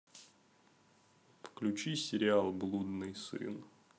включи сериал блудный сын